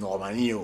Ɲɔgɔnnin ye